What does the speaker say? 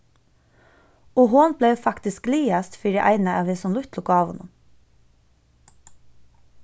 og hon bleiv faktiskt glaðast fyri eina av hesum lítlu gávunum